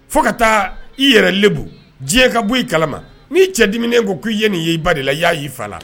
Fo ka taa i yɛrɛlenbu diɲɛ ka bɔ i kalama n'i cɛ diininen ko k' i ye nin y' i ba de la i y'a y'i fa la.